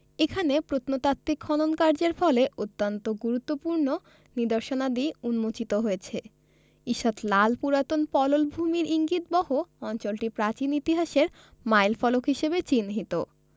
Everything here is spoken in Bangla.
এখানে প্রত্নতাত্ত্বিক খননকার্যের ফলে অত্যন্ত গুরত্বপূর্ণ নিদর্শনাদি উন্মোচিত হয়েছে ঈষৎ লাল পুরাতন পললভূমির ইঙ্গিতবহ অঞ্চলটি প্রাচীন ইতিহাসের মাইল ফলক হিসেবে চিহ্নিত